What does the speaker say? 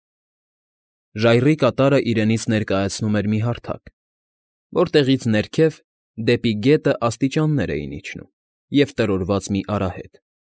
Ժայռի կատարը իրենից ներկայացնում էր մի հարթակ, որտեղից ներքև, դեպի գետը աստիճաններ էին իջնում և տրորված մի արահետ։